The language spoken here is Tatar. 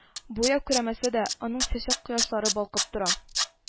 Буяу кермәсә дә, аның чәчәк-кояшлары балкып тора